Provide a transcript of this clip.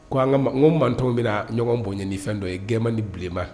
Ko ko mantɔn bɛna ɲɔgɔn bonɲɛ fɛn dɔ ye gɛnman ni bilenba